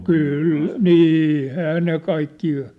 kyllä niin eiväthän ne kaikki